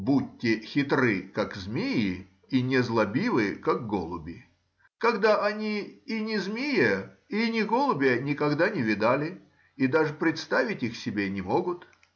Будьте хитры, как змии, и незлобивы, как голуби, когда они и ни змеи и ни голубя никогда не видали и даже представить их себе не могут.